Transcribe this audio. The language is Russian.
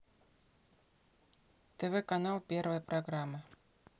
тв канал первая программа